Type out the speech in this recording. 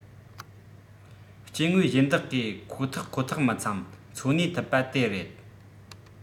སྐྱེ དངོས གཞན དག གིས ཁོ ཐག ཁོ ཐག མི འཚམ འཚོ གནས ཐུབ པ དེ རེད